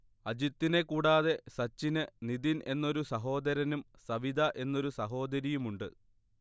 അജിത്തിനെ കൂടാതെ സച്ചിന് നിതിൻ എന്നൊരു സഹോദരനും സവിത എന്നൊരു സഹോദരിയുമുണ്ട്